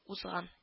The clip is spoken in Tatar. Узган